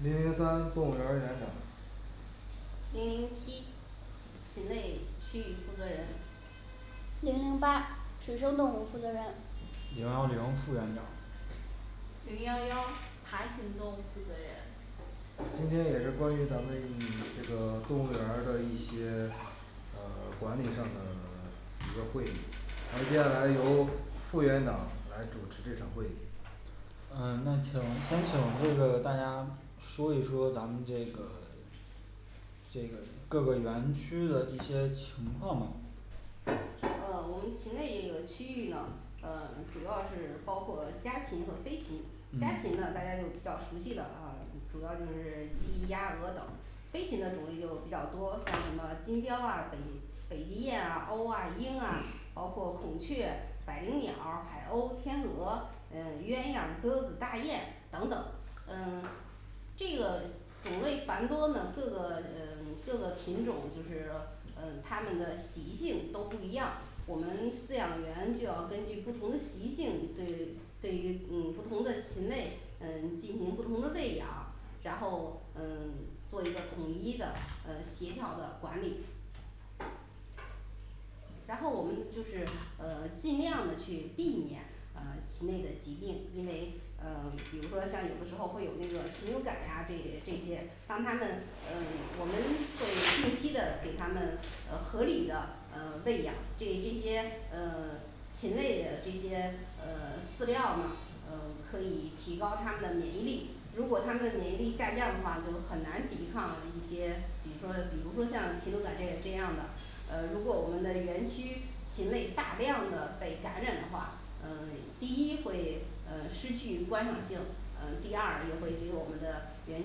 零零三动物园儿园长零零七禽类区域负责人零零八水生动物负责人零幺零副园长零幺幺爬行动物负责人今天也是关于咱们 这个动物园儿的一些呃管理上的 一个会议，那接下来由副园长来主持这场会议。嗯那请先请这个大家说一说咱们这个 这个各个园区的这些情况吧。呃我们禽类这个区域呢呃主要是包括家禽和飞禽，家嗯禽呢大家就比较熟悉了啊，主要就是鸡鸭鹅等，飞禽的种类就比较多，像什么金雕啊北北极燕啊、鸥啊鹰啊，包括孔雀、百灵鸟儿、海鸥、天鹅、嗯鸳鸯鸽子、大雁等等嗯 这个种类繁多呢，各个呃各个品种就是嗯它们的习性都不一样，我们饲养员就要根据不同的习性，对对于嗯不同的禽类嗯进行不同的喂养。然后嗯 做一个统一的呃协调的管理然后我们就是呃尽量的去避免呃 禽类的疾病，因为呃比如说像有的时候会有这个禽流感呀这这些，让他们嗯我们会定期的给他们呃合理的呃喂养给这些呃 禽类的这些呃饲料呢，嗯可以提高它们的免疫力，如果它们的免疫力下降的话，就很难抵抗一些比如说比如说像禽流感这这样的呃如果我们的园区禽类大量的被感染的话，嗯第一会嗯失去观赏性。嗯第二也会给我们的园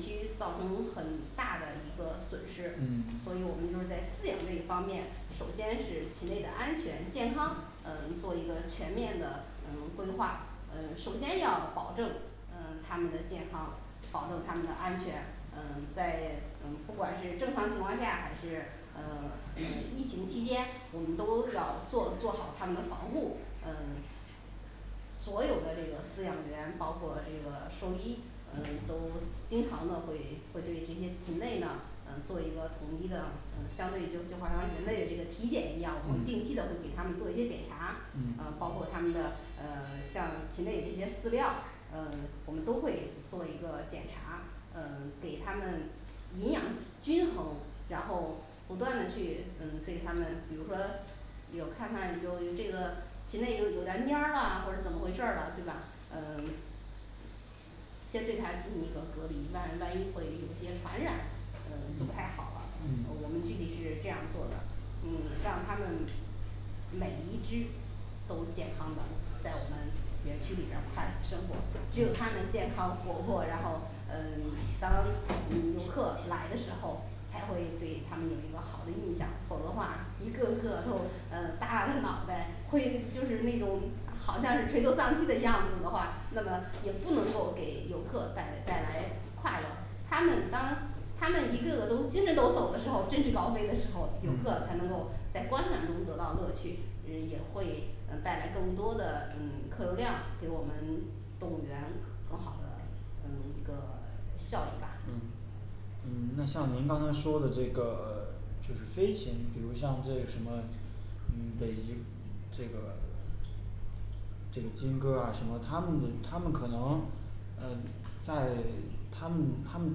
区造成很大的一个损失嗯。所以我们就是在饲养这一方面，首先是禽类的安全健康嗯做一个全面的嗯规划，嗯首先要保证嗯它们的健康，保证它们的安全，嗯在嗯不管是正常情况下还是嗯 疫情期间，我们都是要做做好它们的防护嗯所有的这个饲养员包括这个兽医嗯都经常的会会对这些禽类呢嗯做一个统一的嗯相对就就好像人类这个体检一样嗯，我们定期的会给它们做一些检查，嗯，包括它们的呃像禽类这些饲料，嗯我们都会做一个检查，嗯给它们营养均衡，然后不断的去嗯给它们，比如说有看看有这个禽类有有点儿蔫啦或者怎么回事儿了，对吧，嗯 先对它进行一个隔离，万万一会有一些传染嗯不太好了嗯，我们具体是这样做的，嗯 让它们每一只都健康的在我们园区里边儿快乐生活，只有它们健康活泼，然后嗯 当嗯游客来的时候才会对它们有一个好的印象，否则话一个个都呃耷拉着脑袋会就是那种好像是垂头丧气的样子的话，那么也不能够给游客带来带来快乐。它们当它们一个个都精神抖擞的时候，振翅高飞的时候，游客嗯才能够在观赏中得到乐趣，嗯也会嗯带来更多的这种客流量，给我们动物园很好的嗯一个效益吧嗯嗯那像您刚才说的这个就是飞禽，比如像这什么嗯北极这个这个金鸽儿啊什么它们这它们可能嗯在它们它们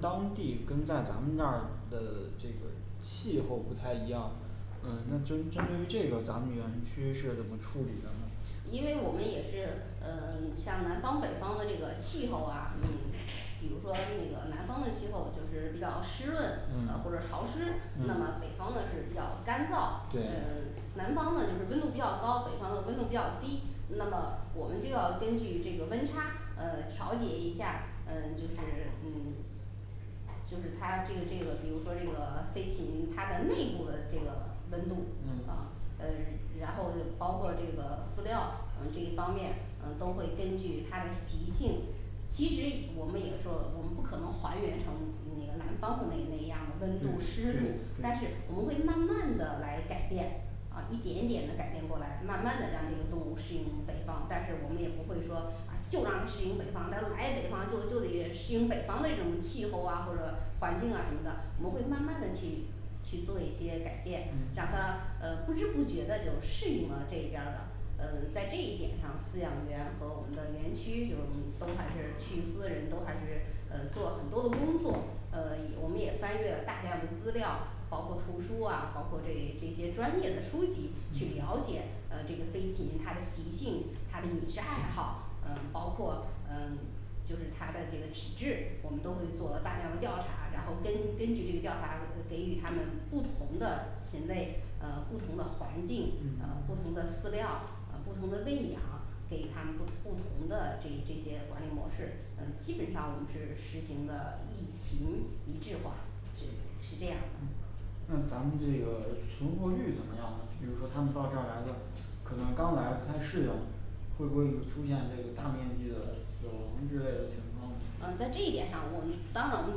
当地跟在咱们那儿的这个气候不太一样嗯那针针对于这个咱们园区是怎么处理的呢因为我们也是嗯 像南方北方的这个气候啊什么的，比如说那个南方的气候就是比较湿润呃或者潮嗯湿，那，么北方呢是嗯比较干，燥，嗯对南方呢就是温度比较高，北方呢温度比较低那么我们就要根据这个温差呃调节一下嗯就是嗯就是它这个这个比如说这个飞禽它的内部的这个温度，啊嗯呃然后包括这个饲料嗯这一方面嗯都会根据它的习性其实我们也说我们不可能还原成那个南方的那那样儿的温度对湿度对，但是对我们会慢慢的来改变啊一点点的改变过来，慢慢的让这个动物适应北方，但是我们也不会说就让它适应北方，咱们来北方就就得适应北方那种气候啊或者环境啊什么的，我们会慢慢的去去做一些改变，嗯让它呃不知不觉的就适应了这一边儿了嗯在这一点上饲养员和我们的园区就都还是去私人，都还是嗯做了很多的工作，嗯也我们也翻阅了大量的资料，包括图书啊，包括这这些专业的书籍去了解啊这个飞禽它的习性，它的饮食爱好，嗯包括嗯就是它的这个体质，我们都会做了大量的调查，然后根根据这个调查给予它们不同的禽类，呃不同的环境，嗯嗯不同的饲料，不同的喂养给它们不不同的这这些管理模式，嗯基本上我们是实行了一禽一制化，是是这样。嗯那咱们这个存活率怎么样？比如说它们到这儿来的，可能刚来不太适应，会不会出现这个大面积的死亡之类的情况呢嗯，在这一点上，我当我们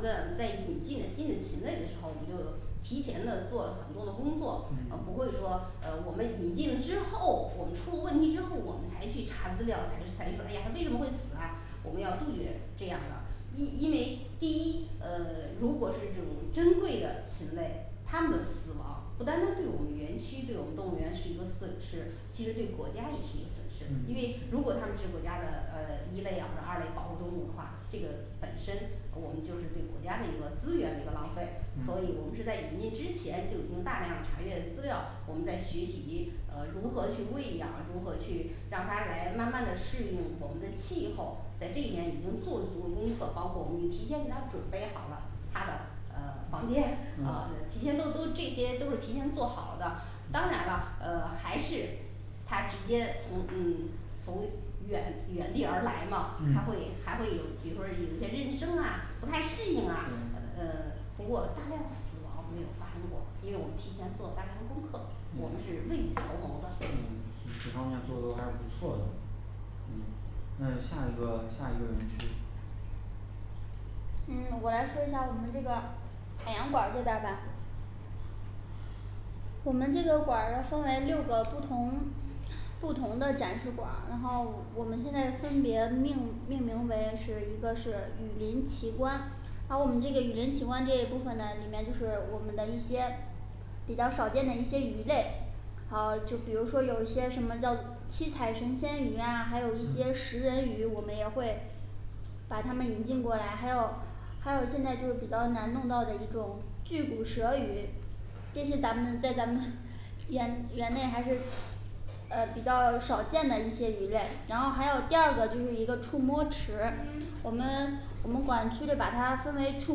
的在引进了新的禽类的时候，我们就提前呢做了很多的工作，呃嗯不会说呃我们引进了之后，我们出了问题之后，我们才去查资料，才才说诶呀为什么会死啊，我们要杜绝这样儿的，因因为第一，呃如果是这种珍贵的禽类它们的死亡不单单对我们园区对我们动物园是一个损失，其实对国家也是一个损失，嗯因为如果它们是国家的呃一类啊或者二类保护动物的话，这个本身我们就是对国家的一个资源的一个浪费，嗯所以嗯我们是在引进之前就已经大量查阅了资料，我们在学习呃如何去喂养，如何去让它来慢慢的适应我们的气候，在这里面已经做足了功课，包括我们提前给它准备好了它的呃房间，呃嗯提前做出这些都是提前做好了的，当然了呃还是它直接从嗯从远远地而来嘛，它嗯会还会有比如说有些认生啊不太适应啊，呃不过大量的死亡没有发生过，因为我们提前做大量的功课，我嗯们是未雨绸缪的嗯这方面做的还是不错的。嗯那下一个下一个园区嗯我来说一下我们这个海洋馆儿这边儿吧我们这个馆儿分为六个不同不同的展示馆儿，然后我们现在分别命命名为是一个是雨林奇观而我们这个雨林奇观这一部分呢里面，就是我们的一些比较少见的一些鱼类，还有就比如说有一些什么叫七彩神仙鱼呀，还有一些食人鱼，我们也会把它们引进过来，还有还有现在就比较难弄到的一种巨骨舌鱼，这些咱们在咱们园园内还是呃比较少见的一些鱼类。然后还有第二个就是一个触摸池，我们我们馆区就把它分为触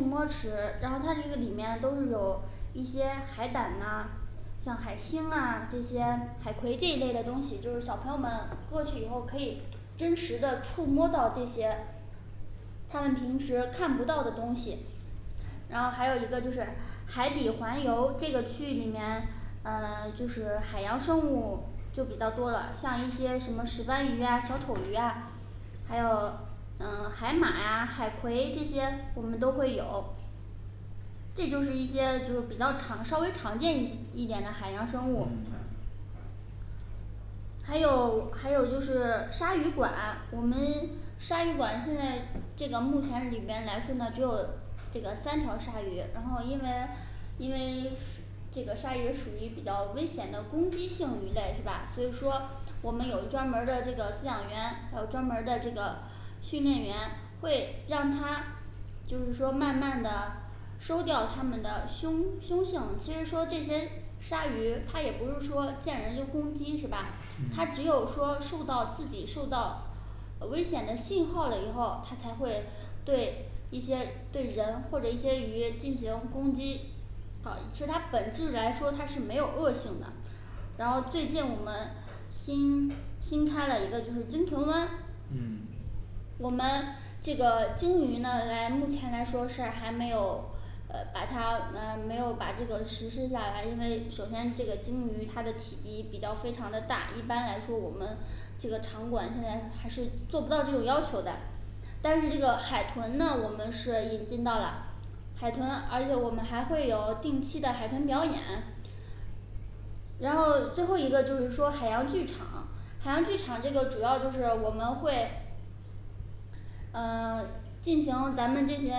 摸池，然后它这个里面都是有一些海胆呐像海星啊这些海葵这一类的东西，就是小朋友们过去以后可以真实的触摸到这些他们平时看不到的东西然后还有一个就是海底环游这个区域里面嗯就是海洋生物就比较多了，像一些什么石斑鱼呀、小丑鱼呀还有嗯海马呀海葵这些我们都会有这就是一些就是比较常稍微常见一一点的海洋生物嗯还有还有就是鲨鱼馆，我们鲨鱼馆现在这个目前里面来说呢只有这个三条鲨鱼，然后因为因为这个鲨鱼属于比较危险的攻击性鱼类是吧？所以说我们有专门儿的这个饲养员，还有专门儿的这个训练员，会让它就是说慢慢地收掉它们的凶凶性，其实说这些鲨鱼它也不是说见人就攻击是吧？它嗯只有说受到自己受到呃危险的信号了以后，它才会对一些对人或者一些鱼进行攻击。好，其实它本质来说它是没有恶性的。然后最近我们新新开了一个就是鲸豚湾嗯我们这个鲸鱼呢来目前来说是还没有呃把它啊没有把这个实施下来，因为首先这个鲸鱼它的体积比较非常的大，一般来说我们这个场馆现在还是做不到这种要求的但是这个海豚呢我们是引进到了海豚，而且我们还会有定期的海豚表演。然后最后一个就是说海洋剧场海洋剧场这个主要就是我们会嗯 进行咱们进行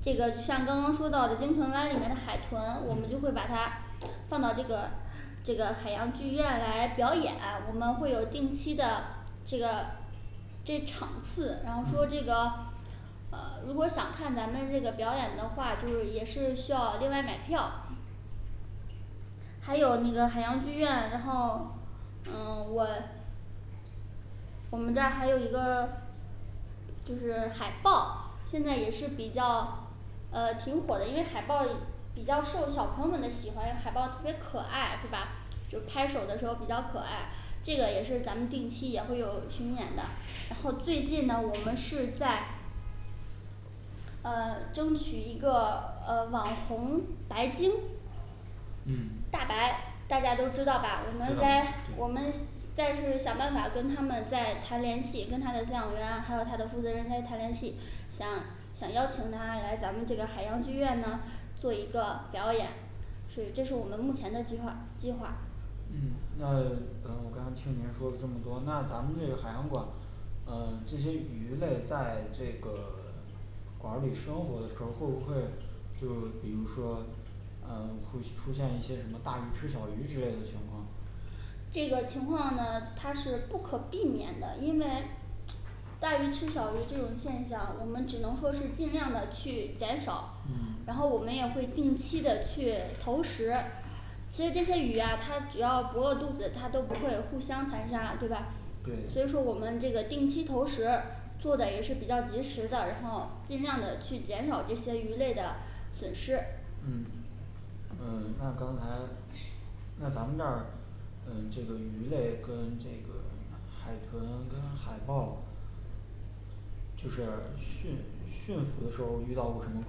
这个像刚刚说到的鲸豚湾里面的海豚，我们就嗯会把它放到这个这个海洋剧院来表演，我们会有定期的这个这场次，然后说嗯这个呃如果想看咱们这个表演的话，就是也是需要另外买票还有那个海洋剧院，然后嗯我我们这儿还有一个就是海豹现在也是比较呃挺火的，因为海豹比较受小朋友们的喜欢，海豹特别可爱是吧？就是拍手的时候比较可爱，这个也是咱们定期也会有巡演的，然后最近呢我们是在呃争取一个呃网红、白鲸嗯，知大道白，大家都知道吧，我们在我们在是想办法跟他们在谈联系，跟它的项目原来还有它的负责人在谈联系想想邀请它来咱们这个海洋剧院呢做一个表演，是这是我们目前的计划计划。嗯那刚我刚听您说了这么多，那咱们这个海洋馆嗯这些鱼类在这个馆儿里生活的时候，会不会就是比如说啊会出现一些什么大鱼吃小鱼之类的情况这个情况呢它是不可避免的，因为大鱼吃小鱼这种现象，我们只能说是尽量的去减少，嗯然后我们也会定期的去投食其实这些鱼啊它只要不饿肚子，它都不会互相残杀，对吧妒忌？所以说我们这个定期投食做的也是比较及时的，然后尽量的去减少这些鱼类的损失。嗯呃那刚才那咱们这儿嗯这个鱼类跟这个海豚跟海豹就是驯驯服的时候遇到过什么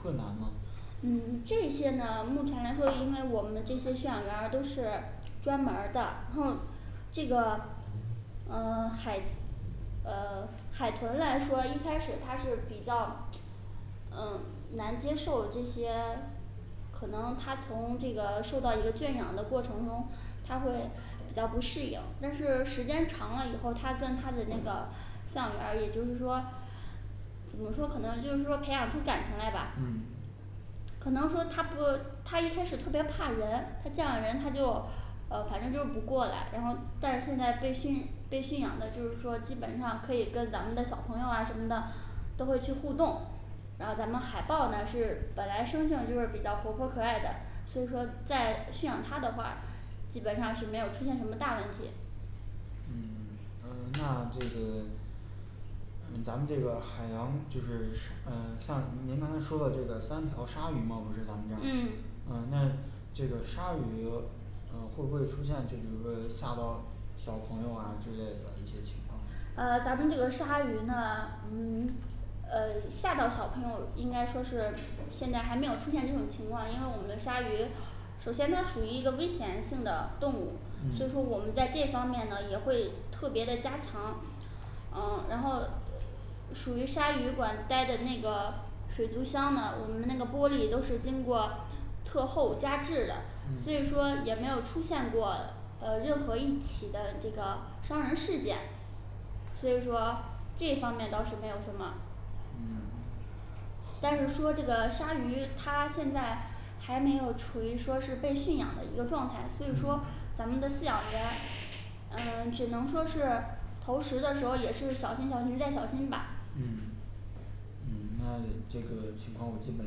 困难吗嗯这些呢目前来说，因为我们这些驯养员儿都是专门儿的，然后这个嗯海呃海豚来说，一开始它是比较嗯难接受这些可能它从这个受到一个圈养的过程中它会比较不适应，但是时间长了以后，它跟它的那个饲养员儿也就是说怎么说可能就是说培养出感情来吧嗯，可能说它不它一开始特别怕人它见了人它就呃反正就是不过来，然后但是现在被驯被驯养的就是说基本上可以跟咱们的小朋友啊什么的都会去互动然后咱们海豹呢是本来生性就是比较活泼可爱的，所以说在驯养它的话，基本上是没有出现什么大问题。嗯呃那这个嗯咱们这个海洋就是嗯像您刚才说的这个三条鲨鱼嘛不是咱们这儿嗯嗯那这个鲨鱼呃会不会出现就比如说吓到小朋友啊之类的一些情况呃咱们这个鲨鱼呢嗯 呃吓到小朋友应该说是现在还没有出现这种情况，因为我们鲨鱼首先它属于一个危险性的动物，嗯所以说我们在这方面呢也会特别的加强。呃然后属于鲨鱼馆待的那个水族箱呢，我们那个玻璃都是经过特厚加制的嗯，所以说也没有出现过呃任何一起的这个伤人事件。所以说这方面倒是没有什么嗯但是说这个鲨鱼它现在还没有处于说是被驯养的一个状态，所以说嗯咱们的饲养员嗯只能说是投食的时候也是小心小心再小心吧。嗯嗯那这个情况我基本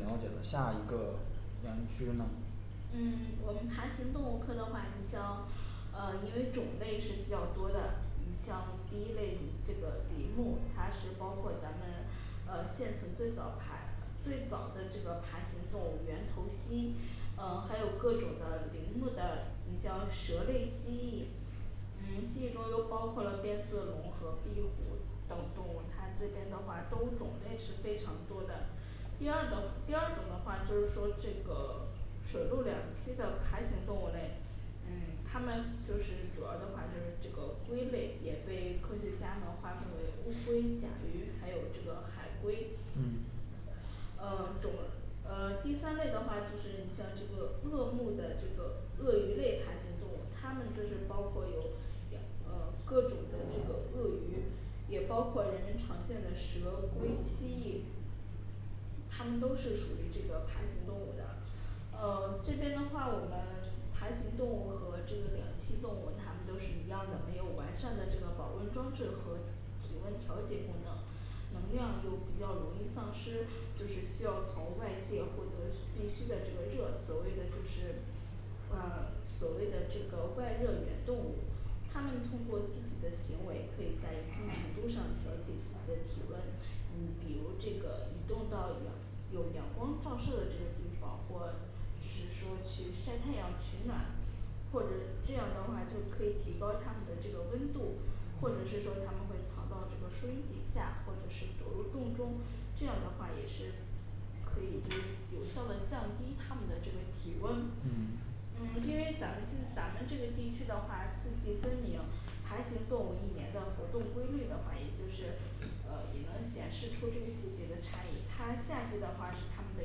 了解了，下一个园区呢嗯我们爬行动物科的话，你像呃因为种类是比较多的，你像第一类这个鳞目，它是包括咱们呃现存最早爬最早的这个爬行动物原头蜥，嗯还有各种的鳞目的，你像蛇类蜥蜴嗯蜥蜴中又包括了变色龙和壁虎等动物，它这边的话动物种类是非常多的。第二的第二种的话就是说这个水陆两栖的爬行动物类嗯它们就是主要的话就是这个龟类也被科学家们划分为乌龟、甲鱼还有这个海龟嗯呃种呃第三类的话就是你像这个鳄目的这个鳄鱼类爬行动物，它们就是包括有嗯各种的这个鳄鱼，也包括人们常见的蛇龟蜥蜴它们都是属于这个爬行动物的。嗯这边的话我们爬行动物和这个两栖动物它们都是一样的，没有完善的这个保温装置和体温调节功能能量又比较容易丧失，就是需要从外界获得必须的这个热所谓的就是嗯所谓的这个外热源动物，它们通过自己的行为可以在一定程度上调节自己的体温，嗯比如这个移动到阳有阳光照射的这个地方，或就是说去晒太阳取暖，或者这样的话就可以提高它们的这个温度或者是说它们会藏到这个树荫底下，或者是躲入洞中，这样的话也是可以就是有效的降低它们的这个体温嗯嗯因为咱们像咱们这个地区的话，四季分明爬行动物一年的活动规律的话，也就是呃也能显示出这个季节的差异，它夏季的话是它们的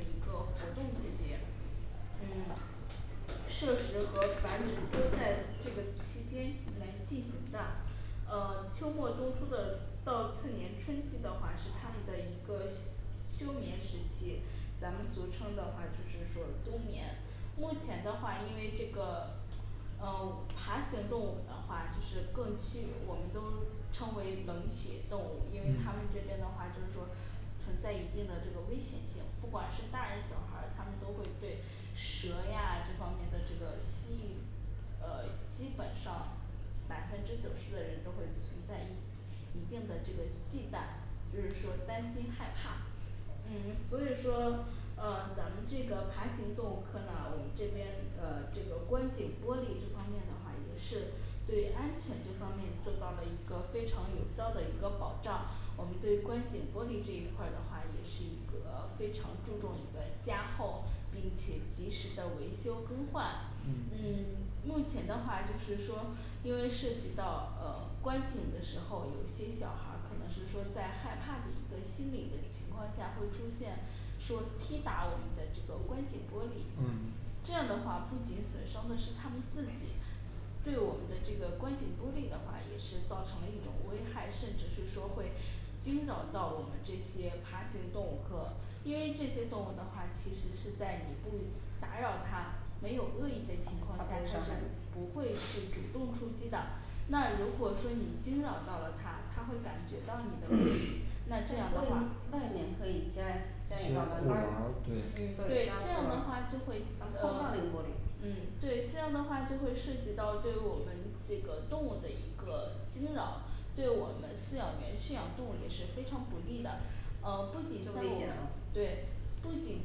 一个活动季节嗯设施和繁殖多在这个期间来进行的嗯秋末冬初的到次年春季的话是它们的一个休眠时期。咱们俗称的话就是说冬眠目前的话，因为这个哦爬行动物的话就是更趋我们都称为冷血动物，因为它们嗯这边的话就是说存在一定的这个危险性，不管是大人小孩儿，他们都会对蛇呀这方面的这个蜥蜴呃基本上百分之九十的人都会存在一一定的这个忌惮，就是说担心害怕。嗯所以说呃咱们这个爬行动物科呢我们这边呃这个观景玻璃这方面的话，也是对安全这方面做到了一个非常有效的一个保障，我们对观景玻璃这一块的话也是一个非常注重一个加厚并且及时的维修更换，嗯嗯 目前的话就是说因为涉及到呃观景的时候，有些小孩儿可能是说在害怕的一个心理的情况下，会出现说踢打我们的这个观景玻璃嗯，这样的话不仅损伤的是他们自己对我们的这个观景玻璃的话也是造成了一种危害，甚至是说会惊扰到我们这些爬行动物科，因为这些动物的话其实是在你不打扰它没有恶意的情况下，它是不会去主动出击的，那如果说你惊扰到了它，它会感觉到你的恶意，那这样的话外嗯面可以加加一道栏护杆栏儿儿对，对对加，个护这样栏的话儿，就会碰不到那个玻嗯璃嗯对这样的话就会涉及到对我们这个动物的一个惊扰，对我们饲养员驯养动物也是非常不利的呃不仅不在危险吗我对不仅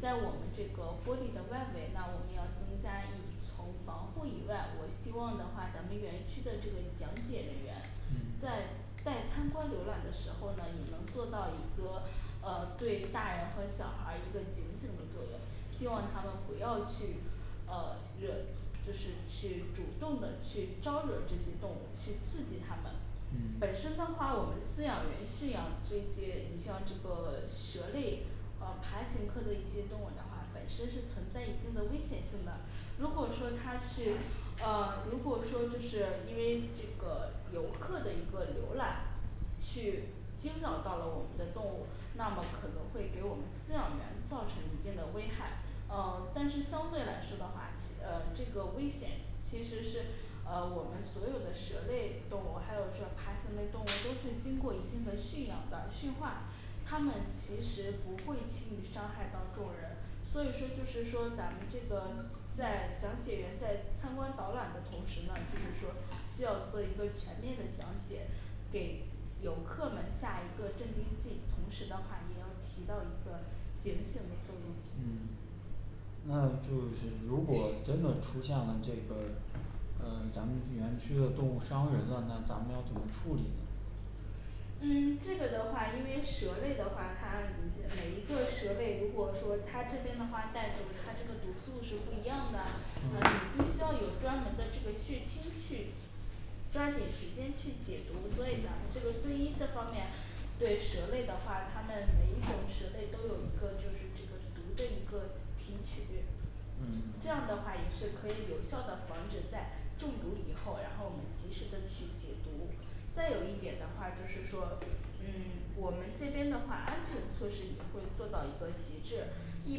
在我们这个玻璃的外围呐，我们要增加一层防护以外，我希望的话咱们园区的这个讲解人员嗯在待参观浏览的时候呢，也能做到一个呃对大人和小孩儿一个警醒的作用，希望他们不要去呃惹就是去主动的去招惹这些动物，去刺激它们嗯本身的话我们饲养员驯养这些你像这个蛇类呃爬行科的一些动物的话，本身是存在一定的危险性的如果说它去呃如果说就是因为这个游客的一个浏览去惊扰到了我们的动物，那么可能会给我们饲养员造成一定的危害，嗯但是相对来说的话，其呃这个危险其实是呃我们所有的蛇类动物，还有这爬行类动物都是经过一定的驯养的驯化，它们其实不会轻易伤害到众人，所以说就是说咱们这个在讲解员在参观导览的同时呢就是说，需要做一个全面的讲解给游客们下一个镇定剂，同时的话也要提到一个警醒的作用嗯。那就是如果真的出现了这个嗯咱们园区的动物伤人了，那咱们要怎么处理嗯这个的话因为蛇类的话，它每一个蛇类如果说它这边的话带毒它这个毒素是不一样的，呃你必须要有专门的这个血清去抓紧时间去解毒，所以咱们这个队医这方面对蛇类的话，它们每一种蛇类都有一个就是这个毒的一个提取嗯这样的话也是可以有效的防止在中毒以后，然后我们及时的去解毒。再有一点的话就是说嗯我们这边的话安全措施也会做到一个极致。一